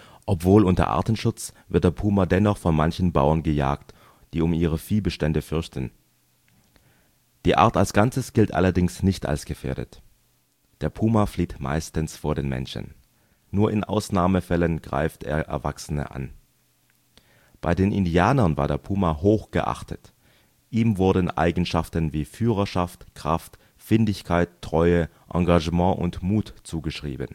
Obwohl unter Artenschutz wird der Puma dennoch von manchen Bauern gejagt, die um ihre Viehbestände fürchten. Die Art als Ganzes gilt allerdings nicht als gefährdet. Der Puma flieht meistens vor den Menschen. Nur in Ausnahmefällen greift er Erwachsene an. Bei den Indianern war der Puma hoch geachtet. Ihm wurden Eigenschaften wie Führerschaft, Kraft, Findigkeit, Treue, Engagement und Mut zugeschrieben